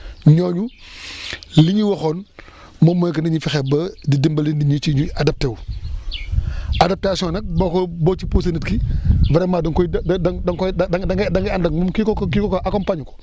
ñooñu li ñu waxoon moom mooy que nañu fexe ba di dimbale nit ñi ci ñuy adopté wu adoptation nag boo ko boo si poussé nit ki vraiment danga koy da da da nga koy da ngay da ngay ànda ak moom kii ko kii ko quoi accompagné ko